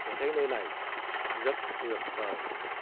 sẽ thấy nơi này rất tuyệt vời